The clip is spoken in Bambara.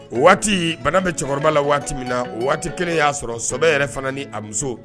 O waati bana bɛ cɛkɔrɔba la waati min na o waati kelen y'a sɔrɔbɛ yɛrɛ fana ni a muso